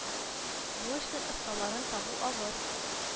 Бу эшнең осталарын табу авыр